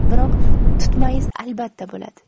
biroq tutmayiz albatta bo'ladi